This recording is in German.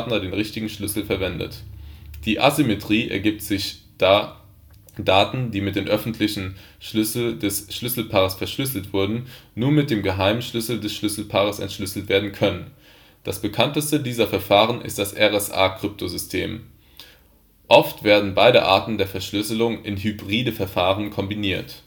richtigen Schlüssel verwendet. Die Asymmetrie ergibt sich, da Daten, die mit dem öffentlichen Schlüssel des Schlüsselpaares verschlüsselt wurden, nur mit dem geheimen Schlüssel des Schlüsselpaares entschlüsselt werden können. Das bekannteste dieser Verfahren ist das RSA-Kryptosystem. Oft werden beide Arten der Verschlüsselung in hybriden Verfahren kombiniert